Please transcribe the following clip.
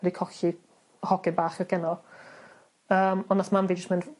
...di colli hogyn bach oedd geno. Yym on' nath mam fi jyst mynd